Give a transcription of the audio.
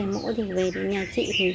đến nhà chị thì